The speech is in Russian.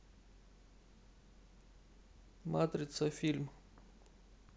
матрица фильм